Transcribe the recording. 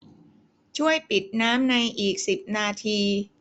ช่วยปิดน้ำในอีกสิบนาที